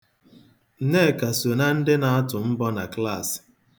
Nneka so na ndị na-atụ mbọ na klassị.